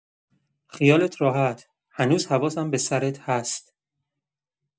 خیالت راحت، هنوز حواسم به سرت هست.